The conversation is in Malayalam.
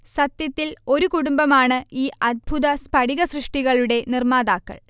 സത്യത്തിൽ ഒരു കുടുംബമാണ് ഈ അദ്ഭുത സ്ഥടികസൃഷ്ടികളുടെ നിർമാതാക്കൾ